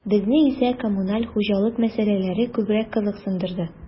Безне исә коммуналь хуҗалык мәсьәләләре күбрәк кызыксындырды.